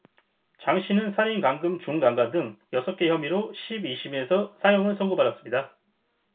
장씨는 살인 감금 준강간 등 여섯 개 혐의로 십 이 심에서 사형을 선고받았습니다